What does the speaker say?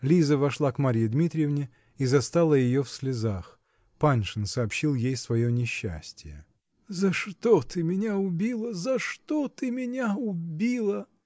Лиза вошла к Марье Дмитриевне и застала ее в слезах: Паншин сообщил ей свое несчастие. -- За что ты меня убила? За что ты меня убила?